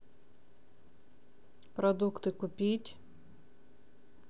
продукты купить